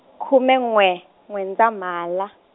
khume n'we, N'wendzamhala.